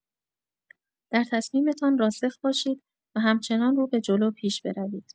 در تصمیمتان راسخ باشید و همچنان رو به‌جلو پیش بروید.